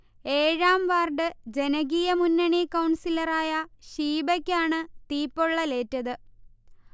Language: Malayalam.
ഏഴാം വാർഡ് ജനകീയ മുന്നണികൗൺസിലറായ ഷീബക്കാണ് തീപൊള്ളലേറ്റത്